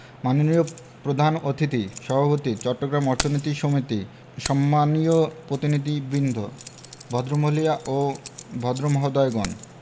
মাননীয় প্রধান অতিথি সভাপতি চট্টগ্রাম অর্থনীতি সমিতি সম্মানীয় পতিনিধিবৃন্দ ভদ্রমহিলা ও ভদ্রমহোদয়গণ